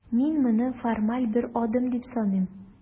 Мин моны формаль бер адым дип саныйм.